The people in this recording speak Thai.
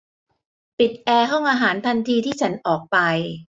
ปิดแอร์ห้องอาหารทันทีที่ฉันออกไป